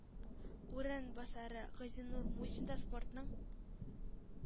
Урынбасары газинур мусин да спортның